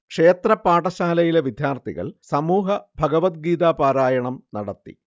ക്ഷേത്ര പാഠശാലയിലെ വിദ്യാർഥികൾ സമൂഹ ഭഗവദ്ഗീത പാരായണം നടത്തി